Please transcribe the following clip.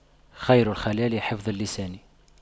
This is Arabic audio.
خير الخلال حفظ اللسان